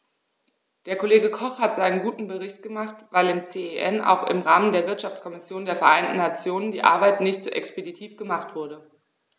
Der Kollege Koch hat seinen guten Bericht gemacht, weil im CEN und auch im Rahmen der Wirtschaftskommission der Vereinten Nationen die Arbeit nicht so expeditiv gemacht wurde.